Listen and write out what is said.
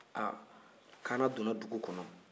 ayiwa kaana donna dugu kɔnɔ